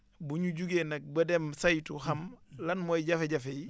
bu ñu jugee nag ba dem saytu xam lan mooy jafe-jafe yi